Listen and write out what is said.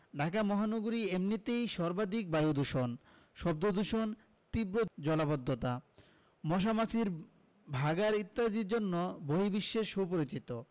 ঢাকা মহানগরী এমনিতেই সর্বাধিক বায়ুদূষণ শব্দদূষণ তীব্র জলাবদ্ধতা মশা মাছির ভাঁগাড় ইত্যাদির জন্য বহির্বিশ্বে সুপরিচিত